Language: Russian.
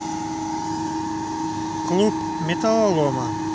клуб металлолома